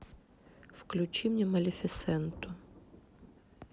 включи мне малефисенту